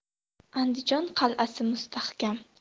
andijon qalasi mustahkam